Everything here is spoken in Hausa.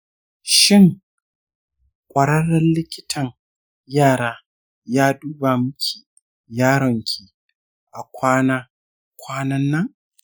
shin kwararren likitan yara ya duba miki yaronki a kwana kwanannan?